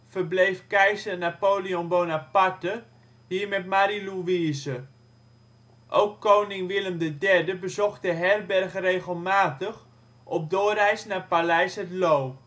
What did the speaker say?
verbleef keizer Napoleon Bonaparte hier met Marie Louise. Ook koning Willem III bezocht de herberg regelmatig, op doorreis naar paleis het Loo